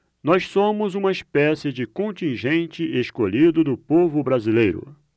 nós somos uma espécie de contingente escolhido do povo brasileiro